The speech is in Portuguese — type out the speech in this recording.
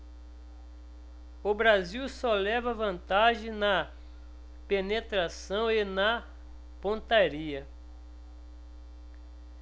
o brasil só leva vantagem na penetração e na pontaria